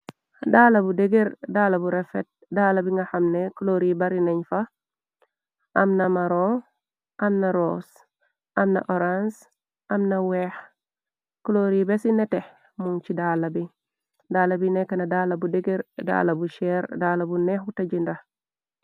Daala bu degër, daala bu refet, daala bi nga xamne cloori bari nañ fax, amna maro, amna roos, amna orange, am na weex, cloor yi besi netex, mun ci daala bi, daala bi nekkna, daala bu degër, daala bu cheer, daala bu neexu ta jindax.